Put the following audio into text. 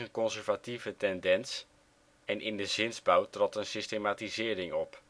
conservatieve tendens en in de zinsbouw trad een systematisering op